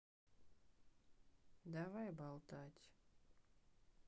давай болтать